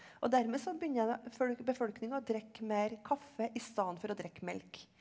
og dermed så begynner det befolkninga å drikke mer kaffi isteden for å drikke melk.